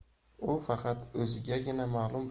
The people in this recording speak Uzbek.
u faqat o'zigagina ma'lum